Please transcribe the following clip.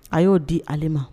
A y'o di ale ma